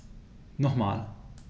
Nochmal.